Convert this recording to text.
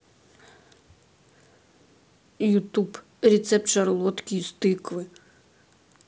ютуб рецепт шарлотки из тыквы